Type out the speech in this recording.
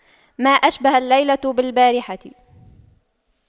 ما أشبه الليلة بالبارحة